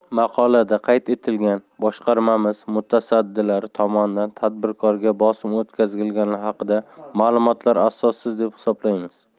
maqolada qayd etilgan boshqarmamiz mutasaddilari tomonidan tadbirkorga bosim o'tkazilgani haqidagi ma'lumotlar asossiz deb hisoblaymiz